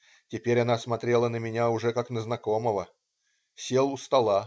Теперь она смотрела на меня уже как на знакомого. Сел у стола.